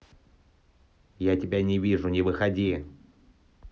я тебя не вижу не выходи